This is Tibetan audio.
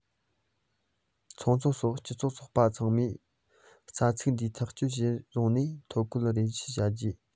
ཚོང ཚོགས སོགས སྤྱི ཚོགས ཚོགས པ ཚང མས རྩ ཚིག འདིའི ཐག བཅད གཞིར བཟུང ནས ཐོ འགོད རེ ཞུ བྱེད དགོས